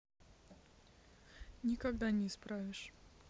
никогда не исправишь